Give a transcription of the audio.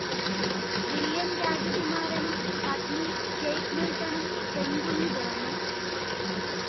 William രാജകുമാരനും പത്നി Kate മിൽടണും പെൺകുഞ്ഞ് പിറന്നു